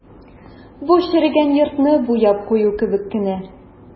Бу черегән йортны буяп кую кебек кенә.